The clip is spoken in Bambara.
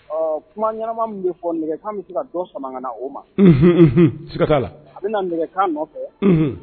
Ɔ kuma ɲɛnama min bɛ fɔ nɛgɛkan bɛ se ka dɔ sama ka o maa la a bɛna nɛgɛkan nɔfɛ